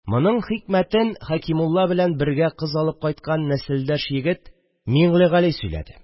Моның хикмәтен Хәкимулла белән бергә кыз алып кайткан нәселдәш егет Миңлегали сөйләде